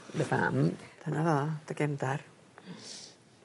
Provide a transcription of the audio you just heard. ...dy fam. Dyna fo dy gefndar.